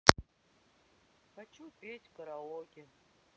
хочу петь в караоке